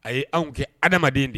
A ye anw kɛ adamadamaden de ye